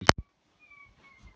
сбер ты пидарас